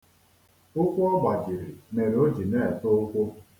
Ụkwụ o gbajiri mere o ji na-ete ukwu.